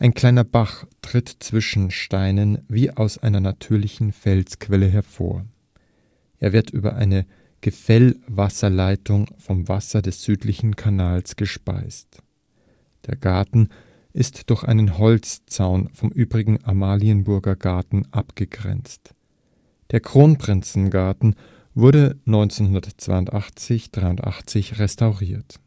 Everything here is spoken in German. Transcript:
kleiner Bach tritt zwischen Steinen wie aus einer natürlichen Felsenquelle hervor; er wird über eine Gefällewasserleitung vom Wasser des südlichen Kanals gespeist. Der Garten ist durch einen Holzzaun vom übrigen Amalienburger Garten abgegrenzt. Der Kronprinzengarten wurde 1982 / 83 restauriert